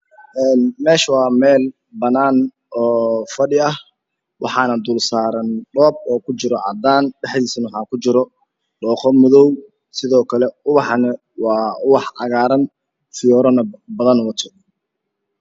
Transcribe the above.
Meeshu waa meel banaan oo fadhi ah waxaana dulsaaran dhoob oo uu kujir cadaan dhexdiisana waxaa kujiro dhooqo madoow eh sidookale ubaxana waa u bax cagaaran fiyooro badanna wato